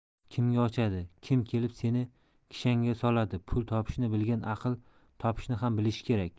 kimga ochadi kim kelib seni kishanga soladi pul topishni bilgan aql topishni ham bilish kerak